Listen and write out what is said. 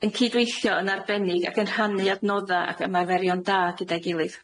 yn cydweithio yn arbennig, ac yn rhannu adnodda ac ymarferion da gyda'i gilydd.